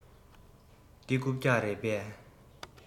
འདི རྐུབ བཀྱག རེད པས